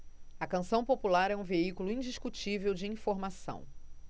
a canção popular é um veículo indiscutível de informação